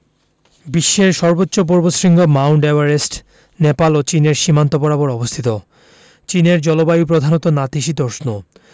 বিশ্বের সর্বোচ্চ পর্বতশৃঙ্গ মাউন্ট এভারেস্ট নেপাল ও চীনের সীমান্ত বরাবর অবস্থিত চীনের জলবায়ু প্রধানত নাতিশীতোষ্ণ